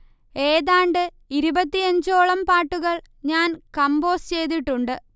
ഏതാണ്ട് ഇരുപത്തിയഞ്ചോളം പാട്ടുകൾ ഞാൻ കമ്പോസ് ചെയ്തിട്ടുണ്ട്